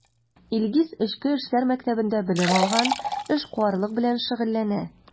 Илгиз Эчке эшләр мәктәбендә белем алган, эшкуарлык белән шөгыльләнә.